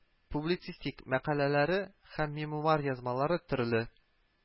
Публицистик мәкаләләре һәм мемуар язмалары төрле